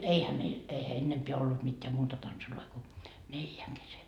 eihän meillä eihän ennempää ollut mitään muuta tansseja kuin neljän kesken